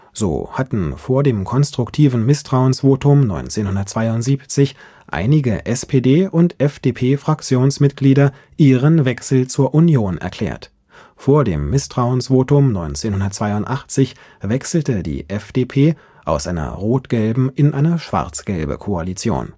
So hatten vor dem konstruktiven Misstrauensvotum 1972 einige SPD - und FDP-Fraktionsmitglieder ihren Wechsel zur Union erklärt, vor dem Misstrauensvotum 1982 wechselte die FDP aus einer rot-gelben in eine schwarz-gelbe Koalition